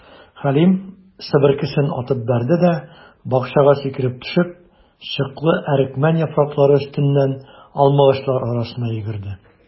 Хәлим, себеркесен атып бәрде дә, бакчага сикереп төшеп, чыклы әрекмән яфраклары өстеннән алмагачлар арасына йөгерде.